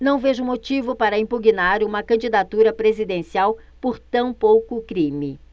não vejo motivo para impugnar uma candidatura presidencial por tão pouco crime